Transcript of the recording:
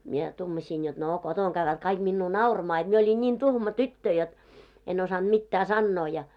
minä tuumasin jotta no kotona käyvät kaikki minua nauramaan jotta minä olin niin tuhma tyttö jotta en osannut mitään sanoa ja